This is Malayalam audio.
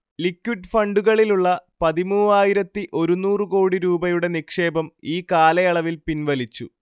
ലിക്വിഡ് ഫണ്ടുകളിലുള്ള പതിമൂവായിരത്തിഒരുന്നൂറ്‌ കോടി രൂപയുടെ നിക്ഷേപം ഈകാലയളവിൽ പിൻവലിച്ചു